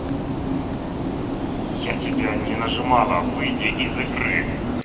я тебя не нажимала выйди из игры